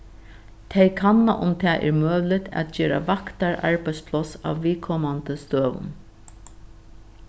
tey kanna um tað er møguligt at gera vaktararbeiðspláss á viðkomandi støðum